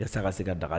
alas a se ka daga